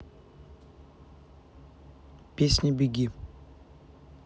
песня беги